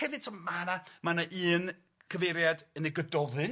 Hefyd t'm ma' 'na ma' 'na un cyfeiriad yn y Gododdin.